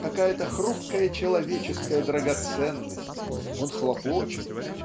какая-то хрупкая человеческая драгоценность он хлопочет